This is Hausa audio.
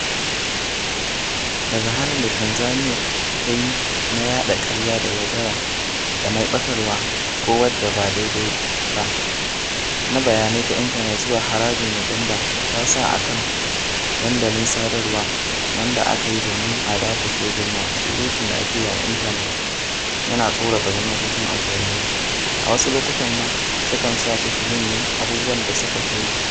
Daga hanin da Tanzaniya ta yi na yaɗa "ƙarya da yaudara da mai ɓatarwa ko wadda ba daidaiba" na bayanai ta intanet zuwa harajin da Uganda ta sa a kan dandulan sadarwa wanda aka yi domin a dakushe "gulma", surutun da ake yi a intanet yana tsorata gwamnatocin azzalumai. A wasu lokutan ma sukan sa su su janye abubuwan da suka so yi.